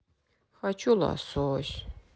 хочу лосось